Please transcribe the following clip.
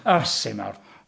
'Asu mawr!